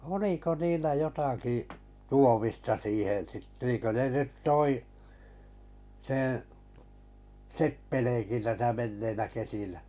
oliko niillä jotakin tuomista siihen - niin kuin ne nyt toi sen seppeleenkin tässä menneinä kesinä